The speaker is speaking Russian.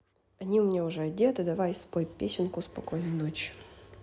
они у меня уже одеты давай спой песенку спокойной ночи